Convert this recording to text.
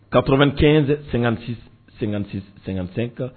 95 56 56 55